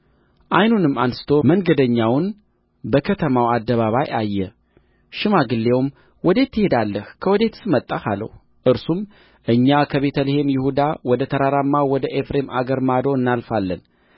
ዓይኑንም አንሥቶ መንገደኛውን በከተማው አደባባይ አየ ሽማግሌውም ወዴት ትሄዳለህ ከወዴትስ መጣህ አለው እርሱም እኛ ከቤተ ልሔም ይሁዳ ወደ ተራራማው ወደ ኤፍሬም አገር ማዶ እናልፋለን